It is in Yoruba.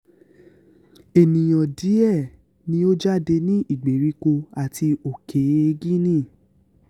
Ènìyàn díẹ̀ ni ó jáde ní ìgbèríko àti Òkèe Guinea.